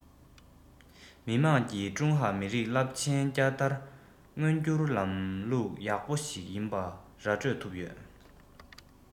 མི དམངས ཀྱིས ཀྲུང ཧྭ མི རིགས རླབས ཆེན བསྐྱར དར མངོན འགྱུར ལམ ལུགས ཡག པོ ཞིག ཡིན པ ར སྤྲོད ཐུབ ཡོད